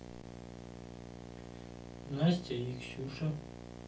настя и ксюша